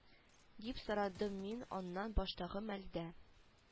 Дип сорадым мин аннан баштагы мәлдә